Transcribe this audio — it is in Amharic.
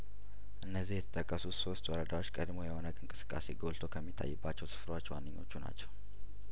እነዚህ የተጠቀሱት ሶስት ወረዳዎች ቀድሞ የኦነግ እንቅስቃሴ ጐልቶ ከሚታይባቸው ስፍራዎችዋን ኞቹ ናቸው